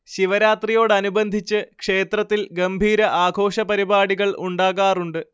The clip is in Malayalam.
ശിവരാത്രിയോടനുബന്ധിച്ച് ക്ഷേത്രത്തിൽ ഗംഭീര ആഘോഷപരിപാടികൾ ഉണ്ടാകാറുണ്ട്